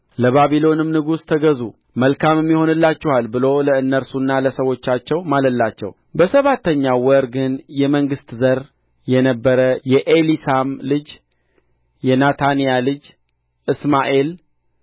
ለባቢሎንም ንጉሥ ተገዙ መልካምም ይሆንላችኋል ብሎ ለእነርሱና ለሰዎቻቸው ማለላቸው በሰባተኛው ወር ግን የመንግሥት ዘር የነበረ የኤሊሳማ ልጅ የናታንያ ልጅ እስማኤል